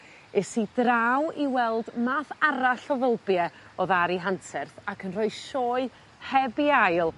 es i draw i weld math arall o fylbie o'dd ar i hanterth ac yn rhoi sioe heb 'i ail.